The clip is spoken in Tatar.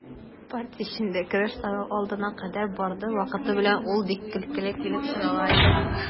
Партия эчендә көрәш сайлау алдына кадәр барды, вакыты белән ул бик көлкеле килеп чыга иде.